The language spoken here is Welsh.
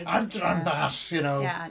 Adran bas! You know.